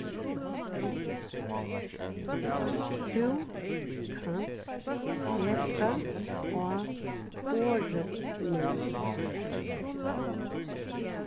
tú kanst seta á borðið nú